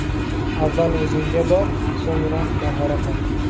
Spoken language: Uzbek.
avval o'zingga boq so'ngra nog'ora qoq